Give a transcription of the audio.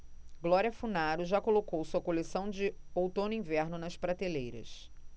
glória funaro já colocou sua coleção de outono-inverno nas prateleiras